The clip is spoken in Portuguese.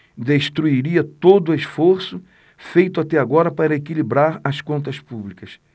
destruiria todo esforço feito até agora para equilibrar as contas públicas